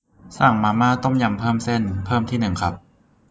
สั่งมาม่าต้มยำเพิ่มเส้นเพิ่มที่นึงครับ